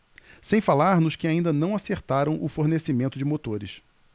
sem falar nos que ainda não acertaram o fornecimento de motores